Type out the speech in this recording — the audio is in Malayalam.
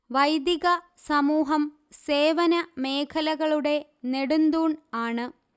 വൈദിക സമൂഹം സേവന മേഖലകളുടെ നെടുന്തൂൺ ആണ്